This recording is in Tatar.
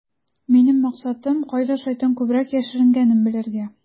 Минем максатым - кайда шайтан күбрәк яшеренгәнен белергә.